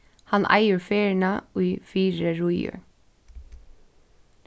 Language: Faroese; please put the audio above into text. hann eigur ferðina ið fyri ríður